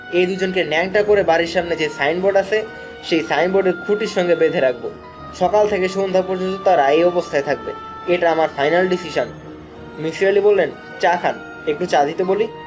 এই দুইজনকে ন্যাংটা করে বাড়ির সামনে যে সাইনবাের্ড আছে সেই সাইনবোের্ডের খুঁটির সঙ্গে বেঁধে রাখব সকাল থেকে সন্ধ্যা পর্যন্ত তারা এই অবস্থায় থাকবে এটা আমার ফাইনাল ডিসিশান মিসির আলি বললেন চা খান একটু চা দিতে বলি